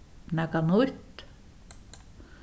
nakað nýtt